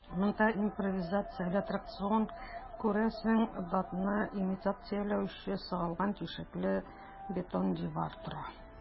Монда ук импровизацияле аттракцион - күрәсең, дотны имитацияләүче сыгылган тишекле бетон дивар тора.